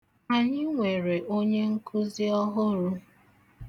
Anyị nwere onyenkuzị ọhụrụ.